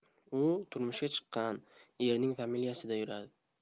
u turmushga chiqqan erining familiyasida yuradi